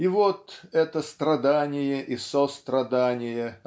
и вот это страдание и сострадание